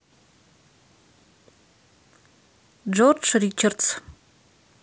джордж ричардс